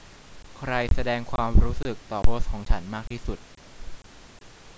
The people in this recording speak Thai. ใครแสดงความรู้สึกต่อโพสต์ของฉันมากที่สุด